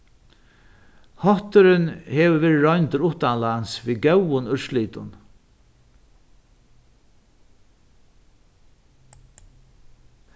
hátturin hevur verið royndur uttanlands við góðum úrslitum